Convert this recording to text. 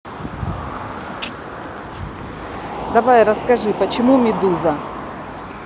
давай расскажи почему медуза